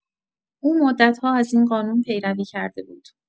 او مدت‌ها از این قانون پیروی کرده بود.